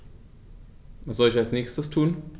Was soll ich als Nächstes tun?